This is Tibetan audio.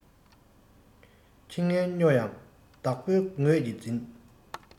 ཁྱི ངན སྨྱོ ཡང བདག པོ ངོས ཀྱིས འཛིན